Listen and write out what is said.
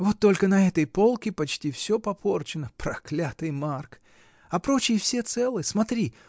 — Вот только на этой полке почти всё попорчено: проклятый Марк! А прочие все целы! Смотри!